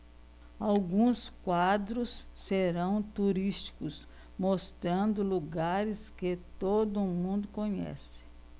alguns quadros serão turísticos mostrando lugares que todo mundo conhece